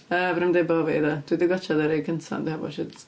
Yy, fedra i'm deud bo' fi, de. Dwi 'di gwatshiad y rhai cynta, ond heb watshiad...